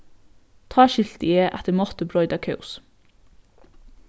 tá skilti eg at eg mátti broyta kós